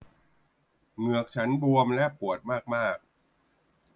เหงือกฉันบวมและปวดมากมาก